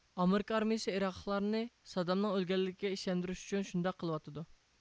ئامېرىكا ئارمىيىسى ئىراقلىقلارنى سادامنىڭ ئۆلگەنلىكىگە ئىشەندۈرۈش ئۈچۈن شۇنداق قىلىۋاتىدۇ